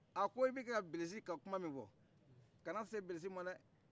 a ko i bɛ ka bilisi ka kuma min fɔ kana se bilisi na dɛh